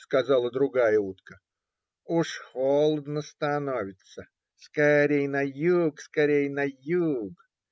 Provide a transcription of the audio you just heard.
- сказала другая утка, - уже холодно становится! Скорей на юг! Скорей на юг!